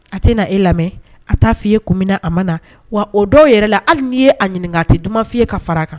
A tɛna na e lamɛn a t taa fɔ'i ye kunmina na a ma na wa o dɔw yɛrɛ la hali n'i ye a ɲininkakan tɛ duman f'i ye ka fara kan